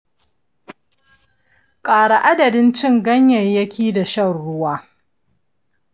ƙara adadin cin ganyayyaki da shan ruwa